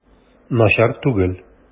Начар түгел.